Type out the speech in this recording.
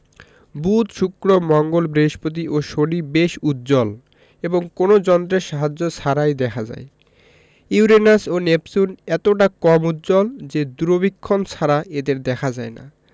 বুধ শুক্র মঙ্গল বৃহস্পতি ও শনি বেশ উজ্জ্বল এবং কোনো যন্ত্রের সাহায্য ছাড়াই দেখা যায় ইউরেনাস ও নেপচুন এতটা কম উজ্জ্বল যে দূরবীক্ষণ ছাড়া এদের দেখা যায় না